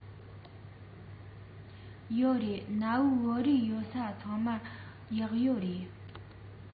ཡོད རེད གནའ བོའི བོད རིགས ཡོད ས ཚང མར གཡག ཡོད རེད